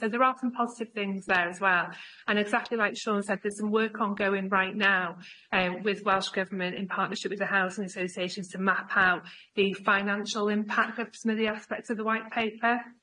So there are some positive things there as well and exactly like Siôn said there's some work ongoing right now yy with Welsh Government in partnership with the housing associations to map out the financial impact of some of the aspects of the white paper.